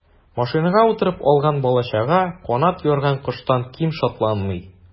Машинага утырып алган бала-чага канат ярган коштан ким шатланмый.